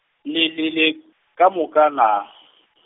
le le le, ka moka naa?